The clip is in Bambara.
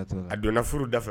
A donna furu dafɛ.